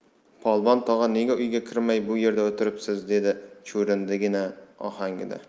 polvon tog'a nega uyga kirmay bu yerda o'tiribsiz dedi chuvrindi gina ohangida